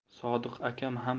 sodiq akam ham